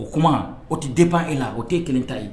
O kuma o ti dépend e la . O tɛ e kelen ta ye.